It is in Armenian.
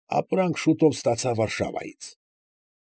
Ապրանք շուտով ստացա Վարշավայից։